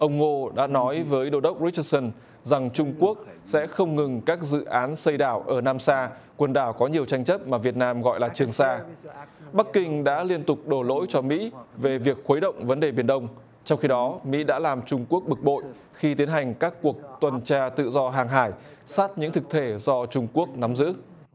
ông ngô đã nói với đô đốc rích trơ sân rằng trung quốc sẽ không ngừng các dự án xây đảo ở nam sa quần đảo có nhiều tranh chấp mà việt nam gọi là trường sa bắc kinh đã liên tục đổ lỗi cho mỹ về việc khuấy động vấn đề biển đông trong khi đó mỹ đã làm trung quốc bực bội khi tiến hành các cuộc tuần tra tự do hàng hải sát những thực thể do trung quốc nắm giữ